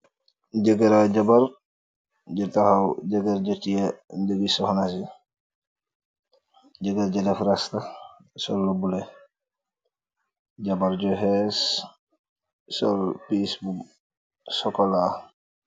Jëgara jabar jër taxaw, jëgar jëtya ndëgi soxnasi, jëgar jërefrasta, solla bule, jabar ju xees , sol pis bu sokola.